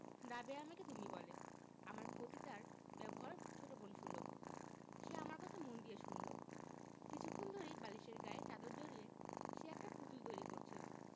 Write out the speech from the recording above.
রাবেয়া আমাকে তুমি বলে আমার প্রতি তার ব্যবহার ছোট বোন সুলভ সে আমার কথা মন দিয়ে শুনলো কিছুক্ষণ ধরেই বালিশের গায়ে চাদর জড়িয়ে সে একটা পুতুল তৈরি করছিলো